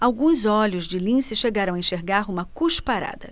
alguns olhos de lince chegaram a enxergar uma cusparada